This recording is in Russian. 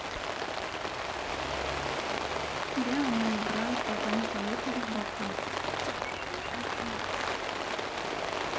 beamonde драйв как они поехали в баку